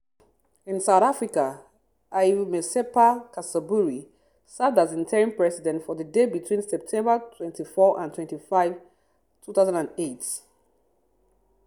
In South Africa, Ivy Matsepe-Cassaburi, served as interim president for the day between September 24 and 25, 2008.